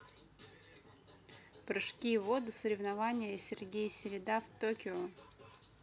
прыжки в воду соревнования сергей середа в токио